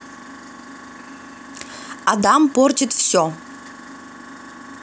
адам портит все